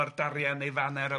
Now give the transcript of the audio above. a'r darian neu faner